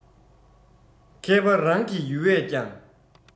མཁས པ རང གི ཡུལ བས ཀྱང